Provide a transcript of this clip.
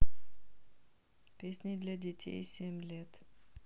песни для детей семь лет